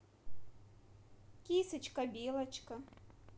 кисочка белочка